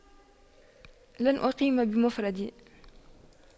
لن أقيم بمفردي